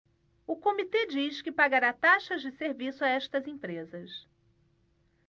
o comitê diz que pagará taxas de serviço a estas empresas